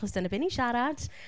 Achos dyna be ni'n siarad.